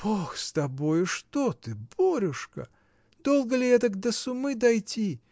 — Бог с тобой, что ты, Борюшка! Долго ли этак до сумы дойти!